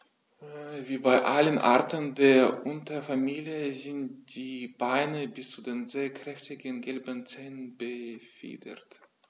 Wie bei allen Arten der Unterfamilie sind die Beine bis zu den sehr kräftigen gelben Zehen befiedert.